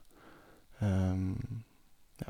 Ja.